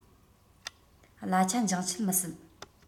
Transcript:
གླ ཆ འགྱངས ཆད མི སྲིད